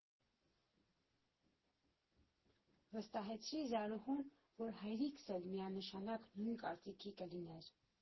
Վստահեցրի Զարուհուն, որ հայրիկս էլ միանշանակ նույն կարծիքի կլիներ։